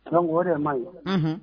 Madame o de maɲi, unhun.